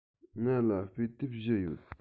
ང ལ དཔེ དེབ བཞི ཡོད